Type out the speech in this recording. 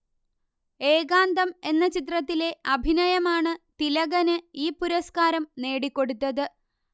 ഏകാന്തം എന്ന ചിത്രത്തിലെ അഭിനയമാണു തിലകന് ഈ പുരസ്കാരം നേടിക്കൊടുത്തത്